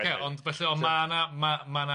ocê ond felly ond ma' yna ma' ma' na